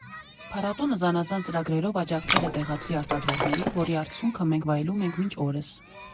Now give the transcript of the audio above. Փառատոնը զանազան ծրագրերով աջակցել է տեղացի արտադրողներին, որի արդյունքը մենք վայելում ենք մինչ օրս։